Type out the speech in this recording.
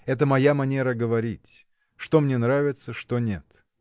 Это моя манера говорить — что мне нравится, что нет.